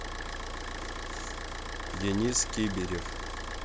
денис кибирев